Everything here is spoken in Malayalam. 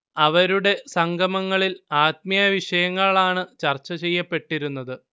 അവരുടെ സംഗമങ്ങളിൽ ആത്മീയവിഷയങ്ങളാണ് ചർച്ചചെയ്യപ്പെട്ടിരുന്നത്